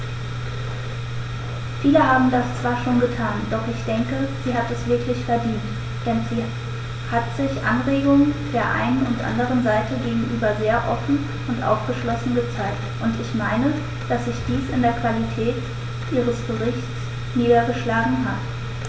Viele haben das zwar schon getan, doch ich denke, sie hat es wirklich verdient, denn sie hat sich Anregungen der einen und anderen Seite gegenüber sehr offen und aufgeschlossen gezeigt, und ich meine, dass sich dies in der Qualität ihres Berichts niedergeschlagen hat.